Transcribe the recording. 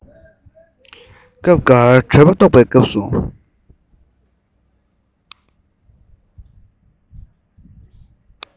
སྐབས འགར གྲོད པ ལྟོགས པའི སྐབས སུ